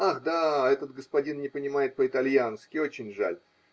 Ах да, этот господин не понимает по итальянски, очень жаль